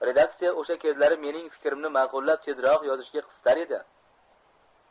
redaktsiya o'sha kezlari mening fikrimni maqullab tezroq yozishga qistar edi